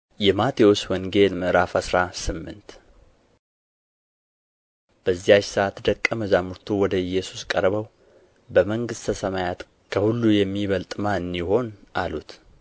﻿የማቴዎስ ወንጌል ምዕራፍ አስራ ስምንት በዚያች ሰዓት ደቀ መዛሙርቱ ወደ ኢየሱስ ቀርበው በመንግሥተ ሰማያት ከሁሉ የሚበልጥ ማን ይሆን አሉት